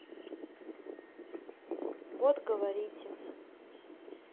вот говорите